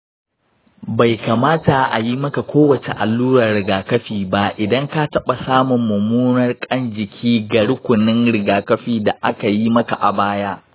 bai kamata a yi maka kowace allurar rigakafi ba idan ka taɓa samun mummuna ƙan jiki ga rukunin rigakafi da aka yi maka a baya.